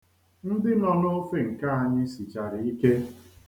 Ndị nọ n'ofe nke anyị sichara ike.